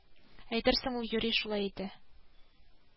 Әйтерсең ул юри шулай итә